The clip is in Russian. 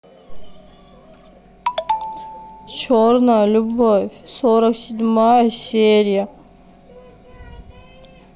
черная любовь сорок седьмая серия